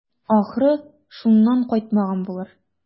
Ахры, шуннан кайтмаган булыр.